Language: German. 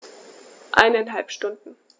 Eineinhalb Stunden